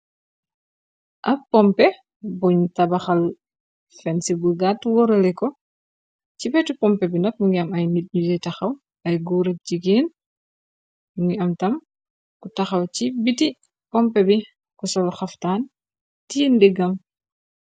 Ab pompe buñ tabaxal fenn si bu gatt worale ko ci betu. Pompe bi nat mu ngi am ay nit ñu jey taxaw ay goor ak jigéen, bungi am tam ku taxaw ci biti pompe bi ko solu xaftaan tiir ndéggam.